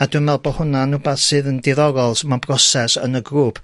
...a dwi me'wl bo' hwnna'n wbath sydd yn diddorol so ma'n broses yn y grŵp.